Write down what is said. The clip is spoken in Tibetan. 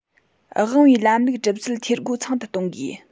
དབང བའི ལམ ལུགས གྲུབ ཚུལ འཐུས སྒོ ཚང དུ གཏོང དགོས